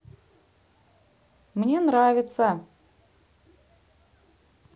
мне нравится